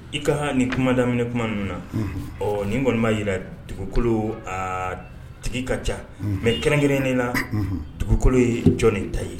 I ka nin kuma daminɛ tuma ninnu na ɔ nin kɔniɔni'a jirara dugukolo a tigi ka ca mɛ kɛrɛn kelen de la dugukolo ye jɔnɔni ta ye